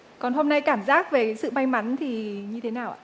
còn hôm nay cảm giác về sự may mắn thì như thế nào ạ